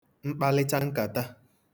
mkpalịta nkàta